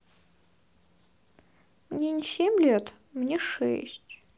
мне не семь лет мне шесть